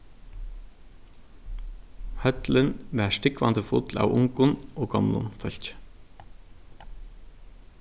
høllin var stúgvandi full av ungum og gomlum fólki